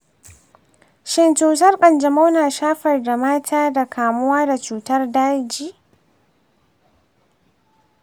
shin cutar kanjamau na shafar damata da kamuwa da cutar dagi?